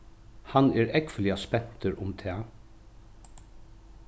hann er ógvuliga spentur um tað